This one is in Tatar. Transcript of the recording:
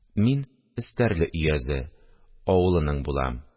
– мин эстәрле өязе ... авылының булам